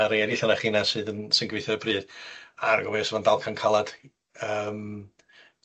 a'r rei eryll o'na chi 'na sydd yn sy'n gweithio ar y pryd ma'n dalcan calad yym